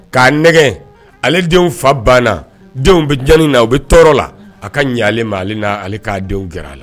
K'a nɛgɛ ale denw fa banna denw bɛ jan na u bɛ tɔɔrɔ la a ka ɲaale ma ale k'a denw kɛra a la